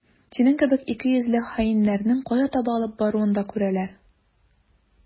Синең кебек икейөзле хаиннәрнең кая таба алып баруын да күрәләр.